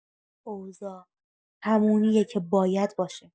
اوضاع همونیه که باید باشه.